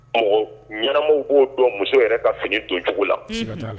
Ɔnhɔn; Mɔgɔ ɲɛnaw b'o dɔn muso yɛrɛ ka fini don cogo la, Unhun, siga t'a la.